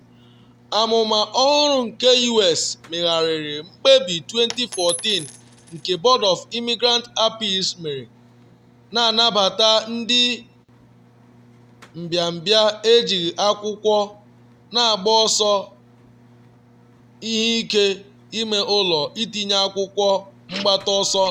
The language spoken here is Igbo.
Amụma ọhụrụ nke U.S megharịrị mkpebi 2014 nke Board of Immigrant Appeals mere na-anabata ndị mbịambịa ejighị akwụkwọ na-agba ọsọ ihe ike ime ụlọ itinye akwụkwọ mgbata ọsọ ndụ.